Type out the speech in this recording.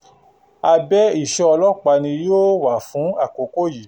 Abẹ́ ìṣọ́ ọlọ́pàá ni yóò wà fún àkókò yìí.